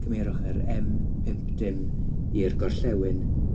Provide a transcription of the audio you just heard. cymerwch yr em pump dim i'r gorllewin